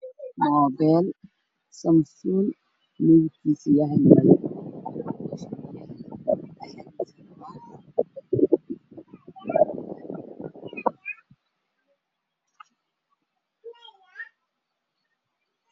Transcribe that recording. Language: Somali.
Waxa ii muuqdo taleefan samson ah oo saaran miiska kalarkiisii ay qaxay